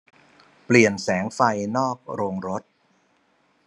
เปลี่ยนแสงไฟนอกโรงรถ